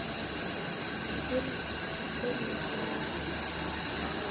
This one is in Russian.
фильм последний звонок